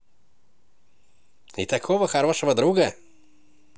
и такого хорошего друга